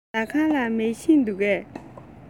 ཟ ཁང ལ མེ ཤིང འདུག གས